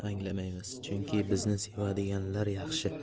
anglamaymiz chunki bizni sevadiganlar yaxshi